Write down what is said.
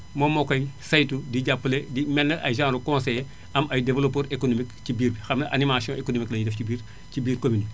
moom moo koy saytu di jàppale di mel ne ay genre conseiller am ay développeur économique ci biir xam ne animation économique la ñuy def ci biir ci biir commune bi